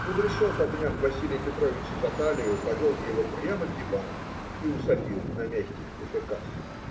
Кудряшов, обняв Василия Петровича за талию, подвел его прямо к дивану и усадил на мягких тюфяках.